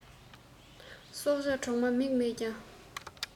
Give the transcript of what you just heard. སྲོག ཆགས གྲོག མ མིག མེད ཀྱང